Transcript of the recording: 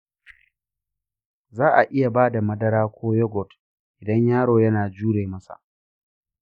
za a iya ba da madara ko yoghurt idan yaro yana jure masa.